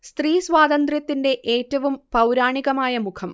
സ്ത്രീ സ്വാതന്ത്ര്യത്തിന്റെ ഏറ്റവും പൗരാണികമായ മുഖം